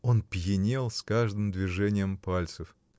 Он пьянел с каждым движением пальцев.